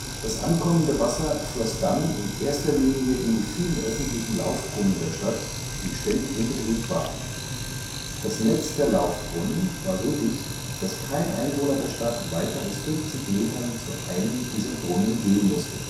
Das ankommende Wasser floss dann in erster Linie in die vielen öffentlichen Laufbrunnen der Stadt, die ständig in Betrieb waren. Das Netz der Laufbrunnen war so dicht, dass kein Einwohner der Stadt weiter als 50 m zu einem dieser Brunnen gehen musste